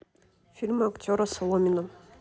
фильмы актера соломина